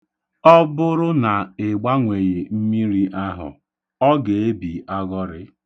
Ọ bụrụ na ị gbanweghị mmiri ahụ, ọ ga-ebi aghọrị.